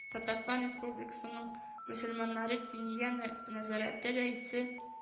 Татарстан Республикасының мөселманнары Диния нә нәзарәте рәисе